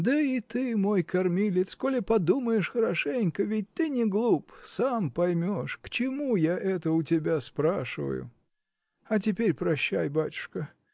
Да и ты, мой кормилец, коли подумаешь хорошенько, ведь ты не глуп, сам поймешь, к чему я это у тебя спрашиваю. А теперь прощай, батюшка.